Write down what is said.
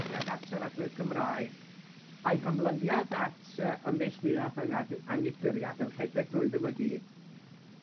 tuag at siaradwyr Cymraeg, a'u hymlyniad at yy ymneilltuath a nag- anghydffuriath yn rhedeg drwyddo fo i gyd.